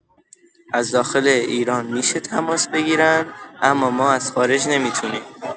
از داخل ایران می‌شه تماس بگیرن، اما ما از خارج نمی‌تونیم.